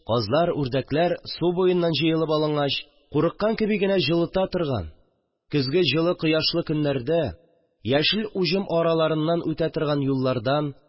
Казлар, үрдәкләр су буеннан җыелып алынгач, курыккан кеби генә җылыта торган көзге җылы кояшлы көннәрдә яшел уҗым араларыннан үтә торган юллардан